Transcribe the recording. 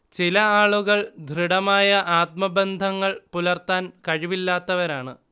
ചില ആളുകൾ ദൃഢമായ ആത്മബന്ധങ്ങൾ പുലർത്താൻ കഴിവില്ലാത്തവരാണ്